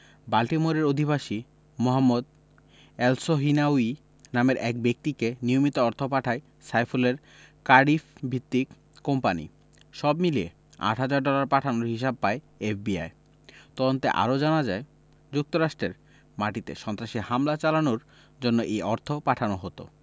বাল্টিমোরের অধিবাসী মোহাম্মদ এলসহিনাউয়ি নামের এক ব্যক্তিকে নিয়মিত অর্থ পাঠায় সাইফুলের কার্ডিফভিত্তিক কোম্পানি সব মিলিয়ে আট হাজার ডলার পাঠানোর হিসাব পায় এফবিআই তদন্তে আরও জানা যায় যুক্তরাষ্টের মাটিতে সন্ত্রাসী হামলা চালানোর জন্য এই অর্থ পাঠানো হতো